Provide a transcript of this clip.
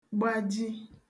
gbaji